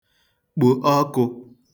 kpò ọkụ̄